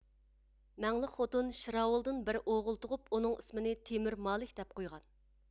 مەڭلىك خوتۇن شىراۋۇلدىن بىر ئوغۇل تۇغۇپ ئۇنىڭ ئىسمىنى تېمۆر مالىك دەپ قويغان